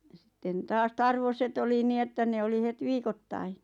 ja sitten taas tarvoset oli niin että ne oli heti viikoittain